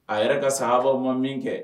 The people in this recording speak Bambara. A yɛrɛ ka sanbaa ma min kɛ